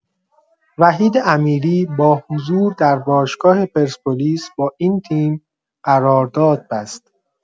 وحید امیری با حضور در باشگاه پرسپولیس با این تیم قرارداد بست.